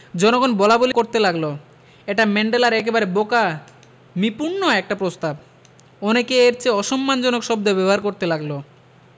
জনগণ বলাবলি করতে লাগল এটা ম্যান্ডেলার একেবারে বোকামিপূর্ণ একটা প্রস্তাব অনেকে এর চেয়ে অসম্মানজনক শব্দ ব্যবহার করতে লাগল